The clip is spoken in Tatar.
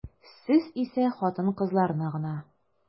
Сез исә хатын-кызларны гына.